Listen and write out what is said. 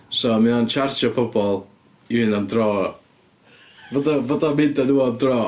So mae o'n tsarjio pobl i fynd am dro... fod o fod o'n mynd â nhw am dro!